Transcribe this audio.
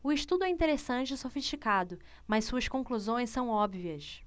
o estudo é interessante e sofisticado mas suas conclusões são óbvias